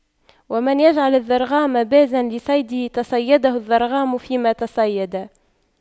ومن يجعل الضرغام بازا لصيده تَصَيَّدَهُ الضرغام فيما تصيدا